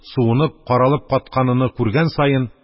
Суынып-каралып катканыны күргән саен